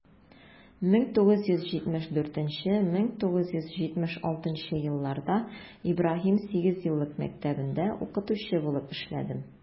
1974 - 1976 елларда ибраһим сигезьеллык мәктәбендә укытучы булып эшләдем.